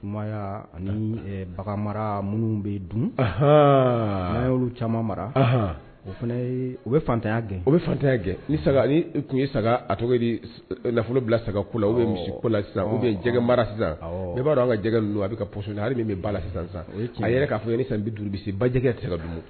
Kuma bagan mara minnu bɛ dun n' olu caman mara o fana u bɛ fatanya gɛn o bɛ fatanya gɛn ni saga tun ye saga a tɔgɔ nafolo bila sagakola bɛ misi kola u bɛ jɛgɛgɛ mara sisan i b'a dɔn a ka jɛgɛgɛ don a bɛ min bɛ ba la sisan yɛrɛ k'a fɔ san bɛ duuru bajɛgɛ don